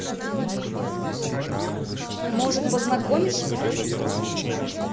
может познакомишь